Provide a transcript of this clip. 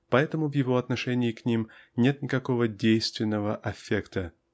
поэтому в его отношении к ним нет никакого действенного аффекта